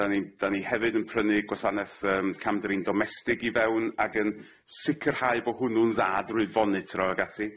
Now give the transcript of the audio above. Da ni'n da ni hefyd yn prynu gwasaneth yym camdrin domestig i fewn ag yn sicirhau bo' hwnnw'n dda drwy fonitro ag ati.